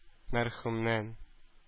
Мәрхүмнән